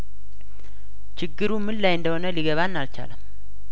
ችግሩምን ላይ እንደሆነ ሊገባን አልቻለም